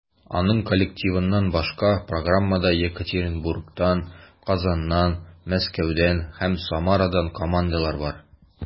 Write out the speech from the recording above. Аның коллективыннан башка, программада Екатеринбургтан, Казаннан, Мәскәүдән һәм Самарадан командалар бар.